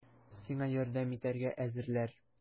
Сиңа ярдәм итәргә әзерләр!